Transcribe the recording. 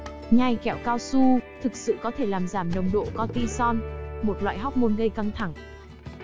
nhai kẹo cao su thực sự có thể làm giảm nồng độ cortisol một loại hormone gây căng thẳng